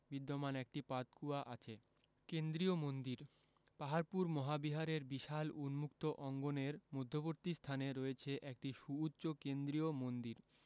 বিদ্যমান একটি পাতকুয়া আছে কেন্দ্রীয় মন্দিরঃ পাহাড়পুর মহাবিহারের বিশাল উন্মুক্ত অঙ্গনের মধ্যবর্তী স্থানে রয়েছে একটি সুউচ্চ কেন্দ্রীয় মন্দির